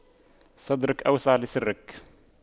صدرك أوسع لسرك